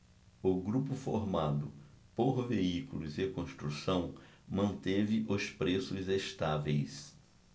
o grupo formado por veículos e construção manteve os preços estáveis